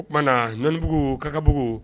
O tumana Nɔnibugu Kakabugu